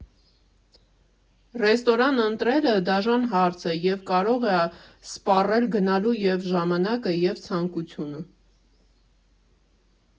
Ռեստորան ընտրելը դաժան հարց է, և կարող է սպառել գնալու և ժամանակը, և ցանկությունը։